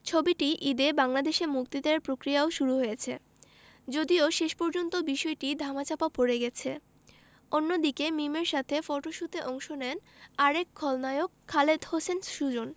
ছবিটি ঈদে বাংলাদেশে মুক্তি দেয়ার প্রক্রিয়াও শুরু হয়েছিল যদিও শেষ পর্যন্ত বিষয়টি ধামাচাপা পড়ে গেছে অন্যদিকে মিমের সাথে ফটশুটে অংশ নেন আরেক খল অভিনেতা খালেদ হোসেন সুজন